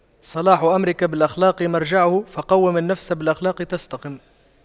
صلاح أمرك بالأخلاق مرجعه فَقَوِّم النفس بالأخلاق تستقم